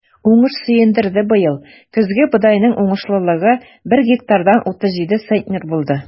Уңыш сөендерде быел: көзге бодайның уңышлылыгы бер гектардан 37 центнер булды.